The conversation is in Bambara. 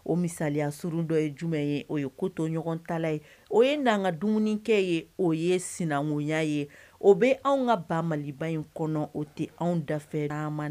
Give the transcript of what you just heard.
O misaliya surun dɔ ye jumɛn ye o ye ko toɲɔgɔn tala ye o ye na ka dumunikɛ ye o ye sinankunya ye o bɛ anw ka baba in kɔnɔ o tɛ anw dafe na